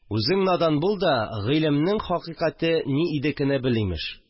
Үзең надан бул да, гойлемнең хәкыйкате ни идекене бел, имеш